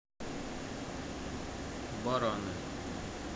бараны